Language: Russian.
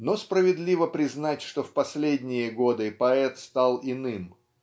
Но справедливо признать, что в последние годы поэт стал иным.